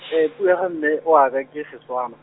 puo ya ga mme, wa ka, ke Setswana.